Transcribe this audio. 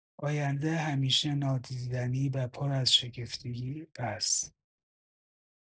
آینده همیشه نادیدنی و پر از شگفتی است.